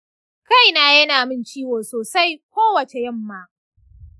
kaina yana min ciwo sosai kowace yamma.